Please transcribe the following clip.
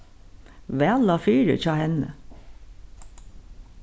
væl lá fyri hjá henni